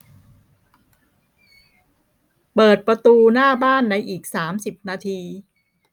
เปิดประตูหน้าบ้านในอีกสามสิบนาที